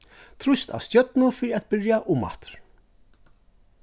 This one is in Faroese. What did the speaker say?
trýst á stjørnu fyri at byrja umaftur